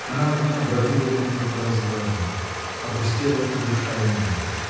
Она одна бродила будто по развалинам. Опустела и душа у ней!